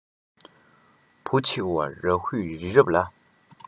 བུ ཆེ བ རཱ ཧུས རི རབ ལ